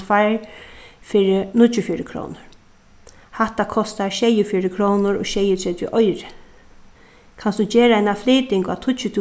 tveir fyri níggjuogfjøruti krónur hatta kostar sjeyogfjøruti krónur og sjeyogtretivu oyru kanst tú gera eina flyting á tíggju